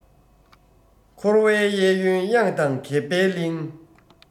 འཁོར བའི གཡས གཡོན གཡང དང གད པའི གླིང